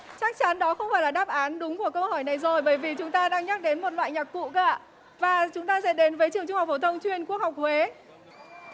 chắc chắn đó không phải là đáp án đúng của câu hỏi này rồi bởi vì chúng ta đang nhắc đến một loại nhạc cụ cơ ạ và chúng ta sẽ đến với trường trung học phổ thông chuyên quốc học huế